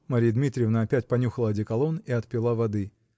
-- Марья Дмитриевна опять понюхала одеколон и отпила воды.